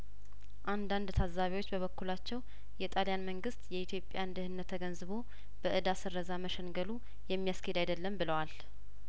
አንዳንድ ታዛቢዎች በበኩላቸው የጣልያን መንግስት የኢትዮጵያን ድህነት ተገንዝቦ በእዳ ስረዛ መሸንገሉ የሚያስኬድ አይደለም ብለዋል